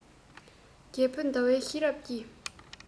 རྒྱལ བུ ཟླ བའི ཤེས རབ ཀྱིས